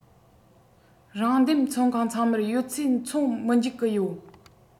རང འདེམས ཚོང ཁང ཚང མར ཡོད ཚད འཚོང མི འཇུག གི ཡོད